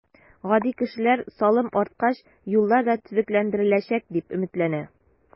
Гади кешеләр салым арткач, юллар да төзекләндереләчәк, дип өметләнә.